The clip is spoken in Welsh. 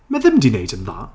Mae ddim di wneud yn dda.